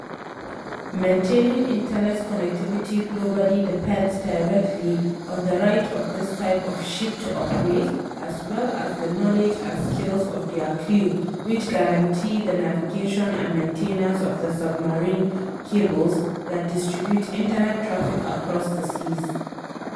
Maintaining internet connectivity globally depends directly on the right of this type of ship to operate, as well as the knowledge and skills of their crews, which guarantee the navigation and maintenance of the submarine cables that distribute internet traffic across the seas.